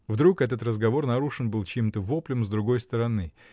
Вдруг этот разговор нарушен был чьим-то воплем с другой стороны.